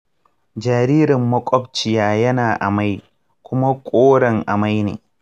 jaririn makwabcina yana amai, kuma koren amai ne.